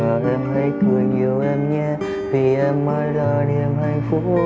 và e hãy cười nhiều em nhé vì em mãi là niềm hạnh phúc